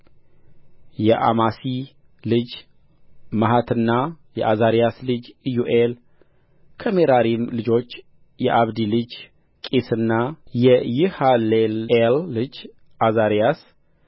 የአማሢ ልጅ መሐትና የዓዛርያስ ልጅ ኢዮኤል ከሜራሪም ልጆች የአብዲ ልጅ ቂስና የይሃሌልኤል ልጅ ዓዛርያስ